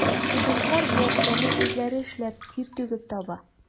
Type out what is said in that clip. Студентлар бу акчаны үзләре эшләп, тир түгеп таба.